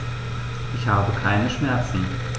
Ich habe keine Schmerzen.